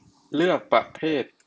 เลือกประเภท